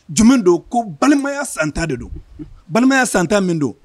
Jumɛn don ko balimaya san tan de don balimaya san tan min don